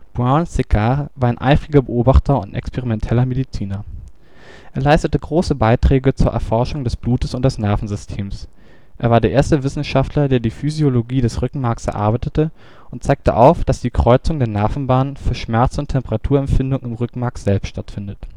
Brown-Séquard war ein eifriger Beobachter und experimenteller Mediziner. Er leistete große Beiträge zur Erforschung des Blutes und des Nervensystems. Er war der erste Wissenschaftler, der die Physiologie des Rückenmarks erarbeitete und zeigte auf, dass die Kreuzung der Nervenbahnen für Schmerz - und Temperaturempfindung im Rückenmark selbst stattfindet